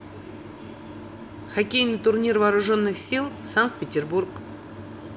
хоккейный турнир вооруженных сил санкт петербург